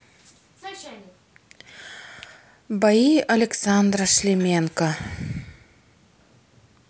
бои александра шлеменко